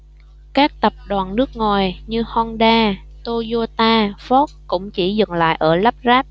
các tập đoàn nước ngoài như honda toyota ford cũng chỉ dừng lại ở lắp ráp